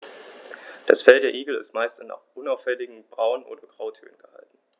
Das Fell der Igel ist meist in unauffälligen Braun- oder Grautönen gehalten.